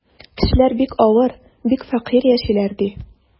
Кешеләр бик авыр, бик фәкыйрь яшиләр, ди.